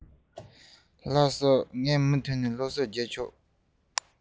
ལགས སོ ངས མུ མཐུད སློབ གསོ རྒྱབ ཆོག